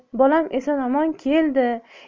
bolam eson omon keldi